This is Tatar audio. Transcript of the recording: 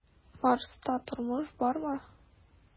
"марста тормыш бармы?"